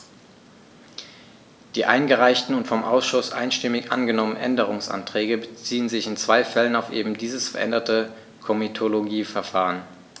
Die eingereichten und vom Ausschuss einstimmig angenommenen Änderungsanträge beziehen sich in zwei Fällen auf eben dieses veränderte Komitologieverfahren.